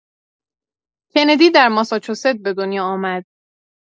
کندی در ماساجوست به دنیا آمد